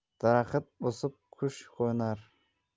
daraxt o'sib qush qo'nar